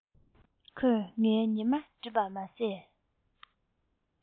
ཁོས ངའི ཉི མ སྒྲིབ པ མ ཟད